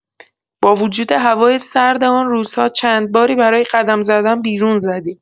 با وجود هوای سرد آن روزها چند باری برای قدم زدن بیرون زدیم.